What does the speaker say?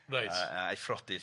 Reit. A a a'i phrodi.